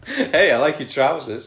hey I like your trousers